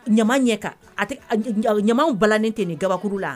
Ɲama ɲɛka a ɲamaw balalen ten nin kabakuru la